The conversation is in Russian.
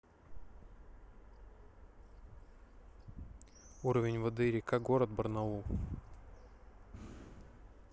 уровень воды река город барнаул